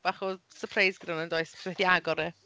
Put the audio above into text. Bach o syrpreis gyda hwnna yn does, achos ma' methu agor e.